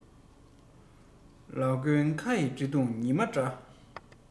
ལ མགོའི ཁ ཡི ཁྲི གདུགས ཉི མ འདྲ